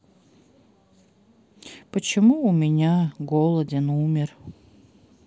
почему у меня голоден умер